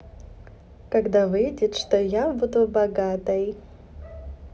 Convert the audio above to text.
когда выйдет что я буду богатой